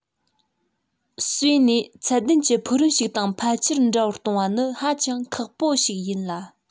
གསོས ནས ཚད ལྡན གྱི ཕུག རོན ཞིག དང ཕལ ཆེར འདྲ བར གཏོང བ ནི ཧ ཅང ཁག པོ ཞིག ཡིན ལ